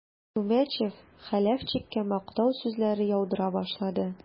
Күмәчев Хәләфчиккә мактау сүзләре яудыра башлады.